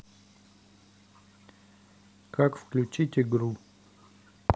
как включить игру